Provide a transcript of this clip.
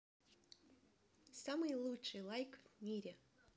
самый лучший лайк в мире